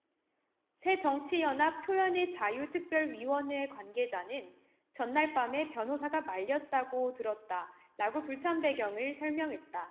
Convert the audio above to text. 새정치연합 표현의자유특별위원회 관계자는 전날 밤에 변호사가 말렸다고 들었다라고 불참 배경을 설명했다